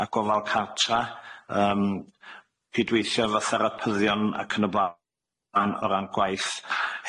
a gofal cartra yym cydweithio efo therapyddion ac yn y bla- ran o ran gwaith.